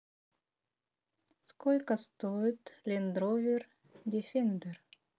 сколько стоит лендровер дефендер